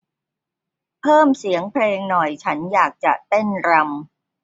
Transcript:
เพิ่มเสียงเพลงหน่อยฉันอยากจะเต้นรำ